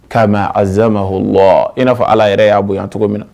i n'a Ala yɛrɛ y'a bonya cogo min na